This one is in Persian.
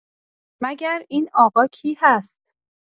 مگر این آقا کی هست؟